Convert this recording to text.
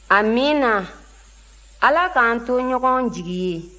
amiina ala k'an to ɲɔgɔn jigi ye